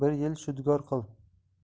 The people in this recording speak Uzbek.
bir yil shudgor qil